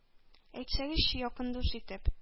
Әйтсәгезче, якын дус итеп,